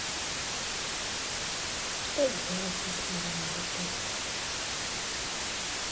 что делать если я не люблю тебя